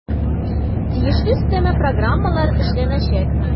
Тиешле өстәмә программалар эшләнәчәк.